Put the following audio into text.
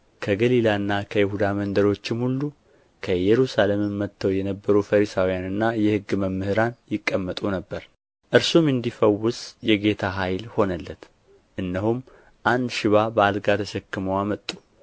ከገሊላና ከይሁዳ መንደሮችም ሁሉ ከኢየሩሳሌምም መጥተው የነበሩ ፈሪሳውያንና የሕግ መምህራን ይቀመጡ ነበር እርሱም እንዲፈውስ የጌታ ኃይል ሆነለት እነሆም አንድ ሽባ በአልጋ ተሸክመው አመጡ